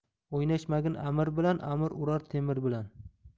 o'ynashmagin amir bilan amir urar temir bilan